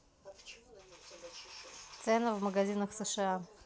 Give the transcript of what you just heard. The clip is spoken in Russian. цены в магазинах сша